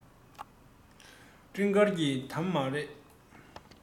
སྤྲིན དཀར གྱི འདབ མ རེད